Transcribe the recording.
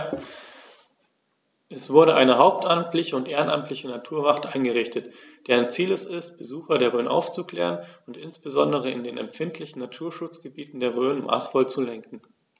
Es wurde eine hauptamtliche und ehrenamtliche Naturwacht eingerichtet, deren Ziel es ist, Besucher der Rhön aufzuklären und insbesondere in den empfindlichen Naturschutzgebieten der Rhön maßvoll zu lenken.